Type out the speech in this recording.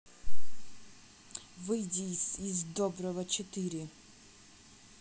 выйди из из доброго четыре